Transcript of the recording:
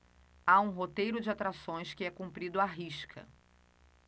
há um roteiro de atrações que é cumprido à risca